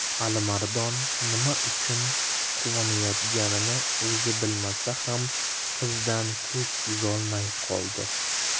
alimardon nima uchun quvonayotganini o'zi bilmasa ham qizdan ko'z uzolmay qoldi